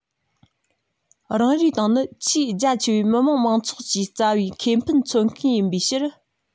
རང རེའི ཏང ནི ཆེས རྒྱ ཆེའི མི དམངས མང ཚོགས ཀྱི རྩ བའི ཁེ ཕན མཚོན མཁན ཡིན པའི ཕྱིར